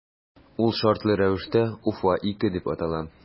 Ул шартлы рәвештә “Уфа- 2” дип атала.